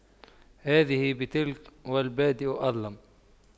هذه بتلك والبادئ أظلم